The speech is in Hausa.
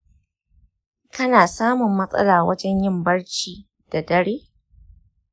kana samun matsala wajen yin barci da dare?